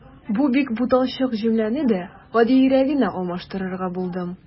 Бу бик буталчык җөмләне дә гадиерәгенә алмаштырырга булдым.